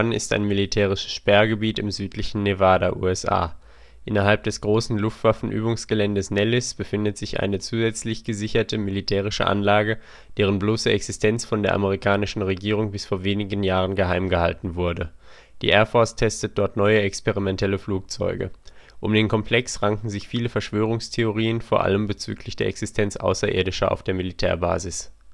ist ein militärisches Sperrgebiet im südlichen Nevada (USA). Innerhalb des großen Luftwaffen-Übungsgeländes Nellis befindet sich eine nochmals extra gesicherte militärische Anlage, deren bloße Existenz von der amerikanischen Regierung bis vor wenigen Jahren geheim gehalten wurde. Fest steht, dass die Air Force dort neue experimentelle Flugzeuge testet, um den Komplex ranken sich jedoch auch die verschiedensten Verschwörungstheorien bezüglich der Existenz Außerirdischer auf der Militärbasis